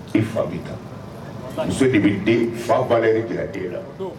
I fa bɛi kan muso de bɛ fa ba yɛrɛ gɛlɛya den la